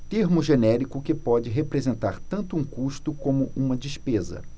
termo genérico que pode representar tanto um custo como uma despesa